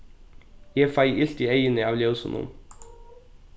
eg fái ilt í eyguni av ljósinum